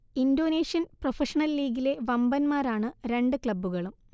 Indonesian professional ലീഗിലെ വമ്പന്മാരാണ് രണ്ട് ക്ലബുകളും